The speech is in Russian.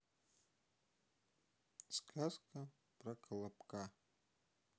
сказка про колобка